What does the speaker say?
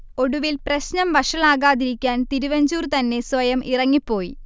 ഒടുവിൽ പ്രശ്നം വഷളാകാതിക്കാൻ തിരുവഞ്ചൂർ തന്നെ സ്വയം ഇറങ്ങി പോയി